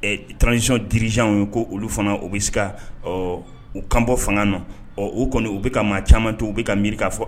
Tranzz fana bɛ se ubɔ fanga u caman u mi fɔ